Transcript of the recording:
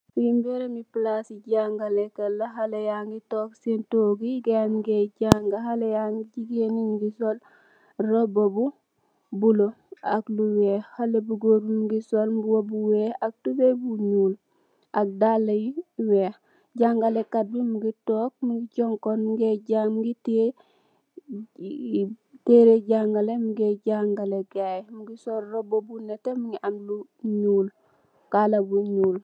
Fi mberemi palasi jàngale kay la, xaleyangi toog ci tooguyi gayi ñu nge jàng, xale yangi yu jigeen yi roba bu bula ak lu weex, xale yu góor yangi sol mbuba bu weex ak tuboy bu ñul, ak dala yu weex. Jàngalakat bi mungi toog mingi jonkon mingeh jang mingi tehe terre jàngale mingeh jàngale gayi, mingi sol roba bu nete mingi am lu bulu, kala bu ñuul.